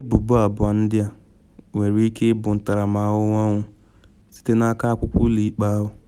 Ebubo abụọ ndị a nwere ike ibu ntaramahụhụ ọnwụ, site n’aka akwụkwọ ụlọ ikpe ahụ.